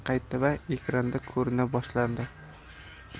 qaytdi va ekranda ko'rina boshladi